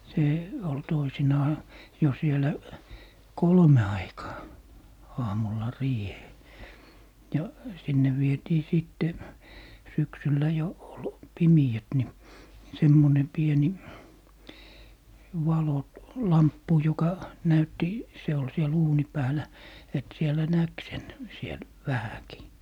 se oli toisinaan jo siellä kolmen aikaan aamulla riiheen ja sinne vietiin sitten syksyllä jo oli pimeät niin semmoinen pieni - valolamppu joka näytti se oli siellä uunin päällä että siellä näki sen siellä vähänkin